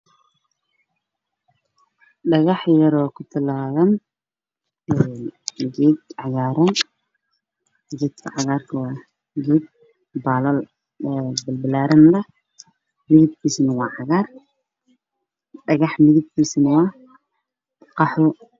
Waa dhagax yar oo ku talaalan geed cagaaran